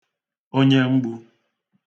onyemgbù